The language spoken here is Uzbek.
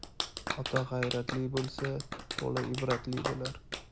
ota g'ayrath bo'lsa bola ibratli bo'lar